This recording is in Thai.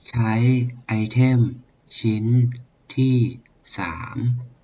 ใช้ไอเทมชิ้นที่สาม